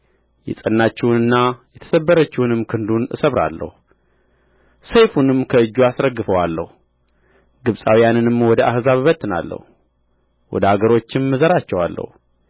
የጸናችውንና የተሰበረችውንም ክንዱን እሰብራለሁ ሰይፉንም ከእጁ አስረግፈዋለሁ ግብጻውያንንም ወደ አሕዛብ እበትናለሁ ወደ አገሮችም እዘራቸዋለሁ